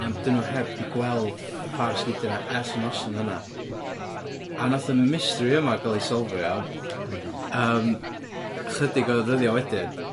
On' 'dan nw heb 'di gweld y par esgidia 'na ers y noson yna. O! A nath y mystery yma ga'l ei solfio... Iawn. ...yym ychydig o ddyddia' wedyn.